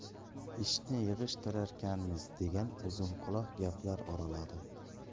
ishni yig'ishtirarkanmiz degan uzunquloq gaplar oraladi